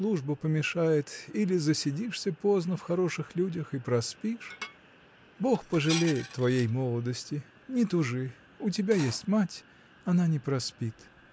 служба помешает или засидишься поздно в хороших людях и проспишь. Бог пожалеет твоей молодости. Не тужи: у тебя есть мать. Она не проспит.